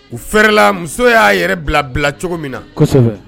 U fɛrɛla muso y'a yɛrɛ bila bila cogo min na